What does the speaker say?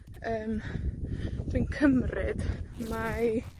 Yym, dwi'n cymryd mai